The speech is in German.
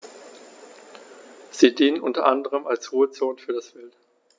Sie dienen unter anderem als Ruhezonen für das Wild.